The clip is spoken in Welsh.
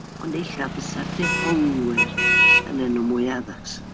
Ond ella fysa dehonglwyr yn enw mwy addas.